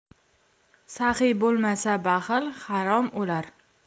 saxiy bo'lmasa baxil harom o'lar